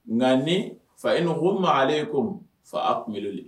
Nka ne fa e ko ma ale ye ko fa a kunkololi